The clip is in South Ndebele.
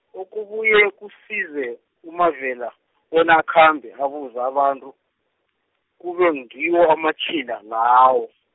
okubuye kusize, uMavela, bona akhambe abuza abantu, kube ngiwo amatjhila layo.